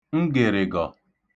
ngị̀rị̀gọ̀